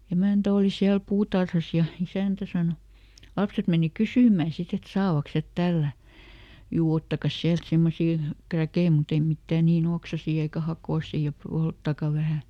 emäntä oli siellä puutarhassa ja isäntä sanoi lapset meni kysymään sitten että saavatkos he tällätä juu ottakaas sieltä semmoisia kräkkejä mutta ei mitään niin oksaisia eikä hakoisia ja polttakaa vähän